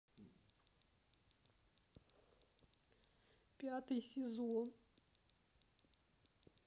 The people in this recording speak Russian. пятый сезон